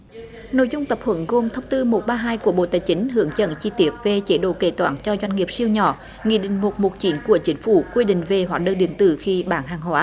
nội dung tập huấn gồm thông tư một ba hai của bộ tài chính hướng dẫn chi tiết về chế độ kế toán cho doanh nghiệp siêu nhỏ nghị định một một chín của chính phủ quy định về hóa đơn điện tử khi bán hàng hóa